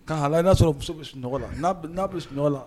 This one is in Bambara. Ka hala i y'a sɔrɔ muso bɛ sunɔgɔ la n'a bɛ sunɔgɔ la